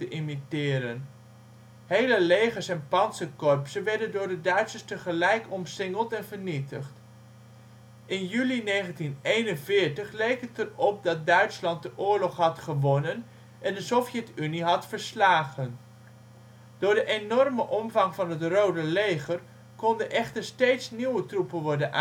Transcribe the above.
imiteren. Hele legers en pantserkorpsen werden door de Duitsers tegelijk omsingeld en vernietigd. In juli 1941 leek het erop dat Duitsland de oorlog had gewonnen en de Sovjet-Unie had verslagen. Door de enorme omvang van het Rode leger konden echter steeds nieuwe troepen worden